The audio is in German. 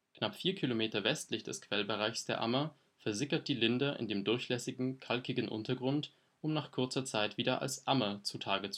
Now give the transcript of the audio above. Knapp vier Kilometer westlich des Quellbereichs der Ammer versickert die Linder in dem durchlässigen, kalkigen Untergrund, um nach kurzer Zeit wieder als Ammer zutage